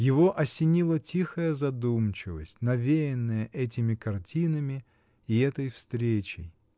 Его осенила тихая задумчивость, навеянная этими картинами и этой встречей.